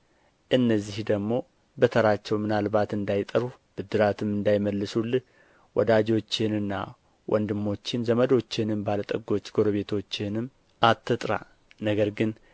እነዚህ ደግሞ በተራቸው ምናልባት እንዳይጠሩህ ብድራትም እንዳይመልሱልህ ወዳጆችህንና ወንድሞችህን ዘመዶችህንም ባለ ጠጎች ጎረቤቶችህንም አትጥራ ነገር ግን